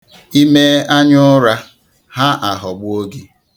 I mee anyaụra, ha aghọgbuo gị.